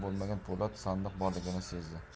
bo'lmagan po'lat sandiq borligini sezdi